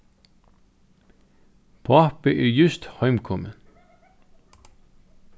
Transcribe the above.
pápi er júst heimkomin